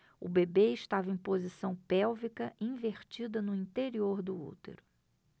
o bebê estava em posição pélvica invertida no interior do útero